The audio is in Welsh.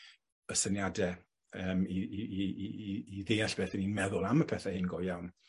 y syniad yym i i i i i i i ddeall beth 'yn ni'n meddwl am y pethe hyn go iawn,